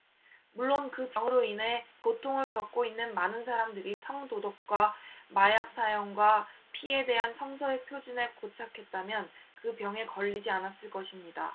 물론 그 병으로 인해 고통을 겪고 있는 많은 사람들이 성도덕과 마약 사용과 피에 대한 성서의 표준에 고착했다면 그 병에 걸리지 않았을 것입니다